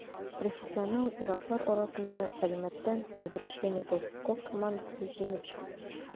Профессионал ир-атлар арасында Әлмәттән «Возвращение толстяков» командасы җиңеп чыкты.